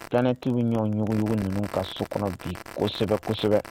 Tanɛnɛtigiw bɛ ɲɔgɔnuguugu ninnu ka so kɔnɔ bi kosɛbɛ kosɛbɛ